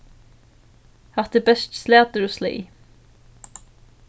hatta er bert slatur og sleyg